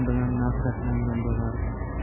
bilan nafratlangan bo'lardim